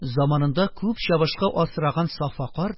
Заманында күп чабышкы асраган сафа карт,